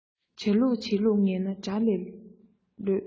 བྱ ལུགས བྱེད ལུགས ངན ན དགྲ ལས ལོད